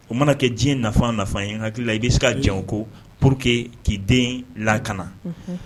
O mana kɛ diyɛn nafa nafa ye n hakili la i bɛ se ka jɛn o ko pour que k'i den lakana.